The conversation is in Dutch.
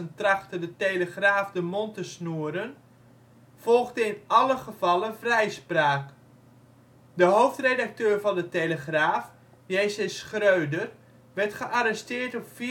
trachtte De Telegraaf de mond te snoeren, volgde in alle gevallen vrijspraak. De hoofdredacteur van de Telegraaf, J.C. Schröder werd gearresteerd